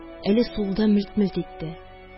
Әле сулда мелт-мелт итте